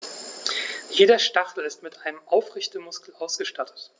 Jeder Stachel ist mit einem Aufrichtemuskel ausgestattet.